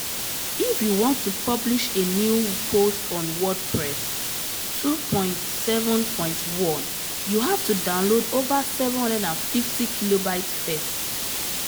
If you want to publish a new post on WordPress (2.7.1), you have to download over 750kb first.